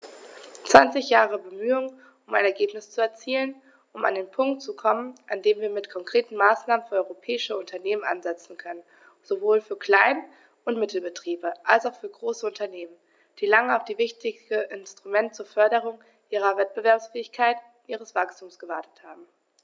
Zwanzig Jahre Bemühungen, um ein Ergebnis zu erzielen, um an den Punkt zu kommen, an dem wir mit konkreten Maßnahmen für europäische Unternehmen ansetzen können, sowohl für Klein- und Mittelbetriebe als auch für große Unternehmen, die lange auf dieses wichtige Instrument zur Förderung ihrer Wettbewerbsfähigkeit und ihres Wachstums gewartet haben.